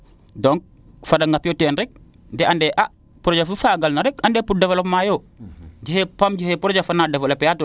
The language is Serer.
donc fada ndam teen rek de ande a projet fu garna rek ande pour developpement yoo jege Pam kege projet faana developper a to